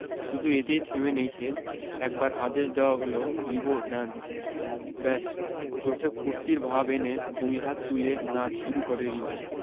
শুধু এতেই থেমে নেই সে একবার আদেশ দেওয়া হলো রিবো ড্যান্স ব্যাস চোখে ফূর্তির ভাব এনে দুই হাত তুলে নাচ শুরু করে রিবো